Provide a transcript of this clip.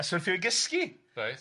A syrthio i gysgu. Reit.